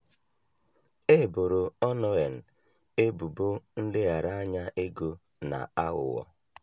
E boro Onnoghen ebubo nleghara anya ego na aghụghọ.